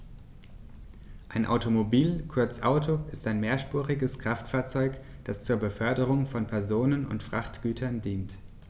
Ein Automobil, kurz Auto, ist ein mehrspuriges Kraftfahrzeug, das zur Beförderung von Personen und Frachtgütern dient.